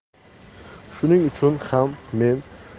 shuning uchun ham men